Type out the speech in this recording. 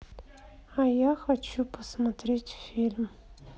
а я хочу посмотреть фильм